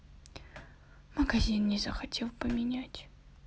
магазин не захотел поменять